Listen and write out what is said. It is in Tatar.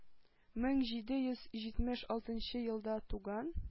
Мең җиде йөз җитмеш алтынчы елда туган